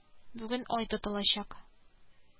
Аның катдидатурасы өч кеше арасыннан сайланды.